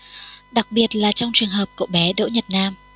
đặc biệt là trong trường hợp cậu bé đỗ nhật nam